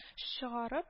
Чыгарып